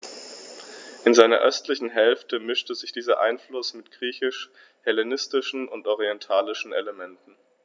In seiner östlichen Hälfte mischte sich dieser Einfluss mit griechisch-hellenistischen und orientalischen Elementen.